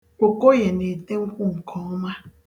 Okoye na-ete nkwụ nkeọma